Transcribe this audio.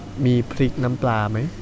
มีพริกน้ำปลาไหม